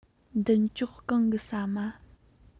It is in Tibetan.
མདུན ལྕོག གང གི ཟ མ